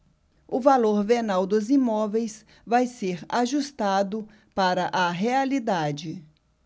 o valor venal dos imóveis vai ser ajustado para a realidade